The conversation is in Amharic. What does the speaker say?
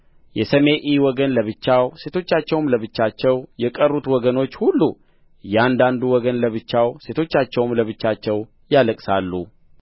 የሰሜኢ ወገን ለብቻው ሴቶቻቸውም ለብቻቸው የቀሩት ወገኖች ሁሉ እያንዳንዱ ወገን ለብቻው ሴቶቻቸውም ለብቻቸው ያለቅሳሉ